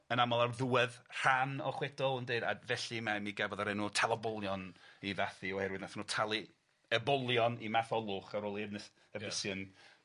Yn aml ar ddiwedd rhan o chwedl yn deud a felly mae mi gafodd yr enw Tal y Bwlion 'i fathu oerwydd nathon nw talu ebolion i Matholwch ar ôl i Efnyth- Efnisien